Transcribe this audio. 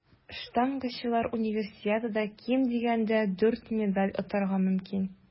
Штангачылар Универсиадада ким дигәндә дүрт медаль отарга мөмкин.